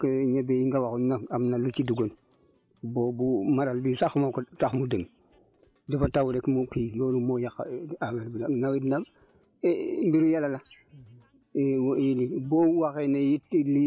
waaw loolu nag gerte bi ak ñebe yi nga waxoon nag am na lu ci duggoon boobu maral bi sax moo ko tax mu dëñ dafa taw rek mu kii loolu moo yàq affaire bi nawet nag mbiru yàlla la